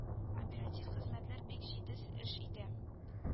Оператив хезмәтләр бик җитез эш итә